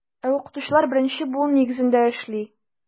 Ә укытучылар беренче буын нигезендә эшли.